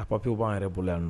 A kopi u b'an yɛrɛ bolo yan